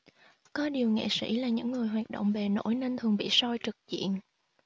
có điều nghệ sỹ là những người hoạt động bề nổi nên thường bị soi trực diện